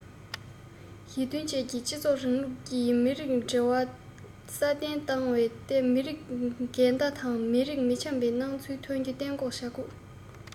ཞི མཐུན བཅས ཀྱི སྤྱི ཚོགས རིང ལུགས ཀྱི མི རིགས འབྲེལ བ སྲ བརྟན དུ བཏང སྟེ མི རིགས འགལ ཟླ དང མི རིགས མི འཆམ པའི སྣང ཚུལ ཐོན རྒྱུ གཏན འགོག བྱེད དགོས